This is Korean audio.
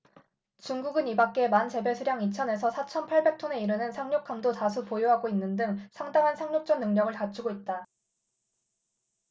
중국은 이밖에 만재배수량 이천 에서 사천 팔백 톤에 이르는 상륙함도 다수 보유하고 있는 등 상당한 상륙전 능력을 갖추고 있다